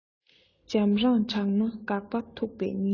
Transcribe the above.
འཇམ རང དྲགས ན འགག པ ཐུག པའི ཉེན